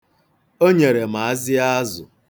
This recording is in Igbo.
O nyere m azịa azụ.